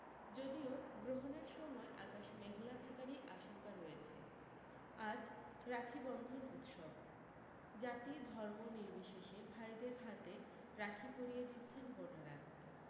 যদিও গ্রহণের সময় আকাশ মেঘলা থাকারি আশঙ্কা রয়েছে আজ রাখিবন্ধন উৎসব জাতি ধর্ম নির্বিশেষে ভাইদের হাতে রাখি পরিয়ে দিচ্ছেন বোনেরা